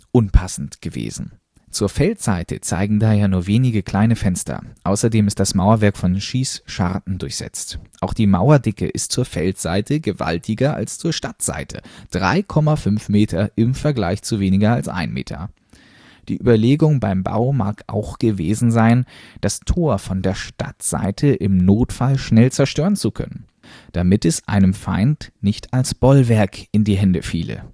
unpassend gewesen. Zur Feldseite zeigen daher nur wenige kleine Fenster. Außerdem ist das Mauerwerk von Schießscharten durchsetzt. Auch die Mauerdicke ist zur Feldseite gewaltiger als zur Stadtseite: 3,5 Meter im Vergleich zu weniger als 1 Meter. Die Überlegung beim Bau mag auch gewesen sein, das Tor von der Stadtseite im Notfall schnell zerstören zu können, damit es einem Feind nicht als Bollwerk in die Hände fiele